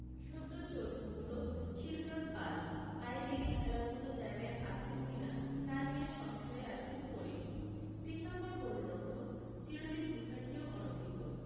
সদ্য চোটমুক্ত শিলটন পাল আই লিগে খেলার মতো জায়গায় আছেন কিনা তা নিয়ে সংশয়ে আছেন করিম তিন নম্বর গোলরক্ষক চিরদীপ মুখার্জিও অনভিজ্ঞ